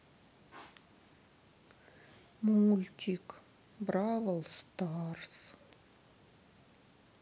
мультик бравл старс